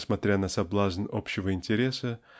несмотря на соблазн общего интереса